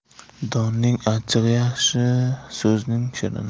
donning achchig'i yaxshi so'zning shirini